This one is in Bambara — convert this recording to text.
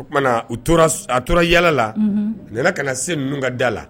O tumana u tora a tora yalala la, a nana ka na se ninnu ka da la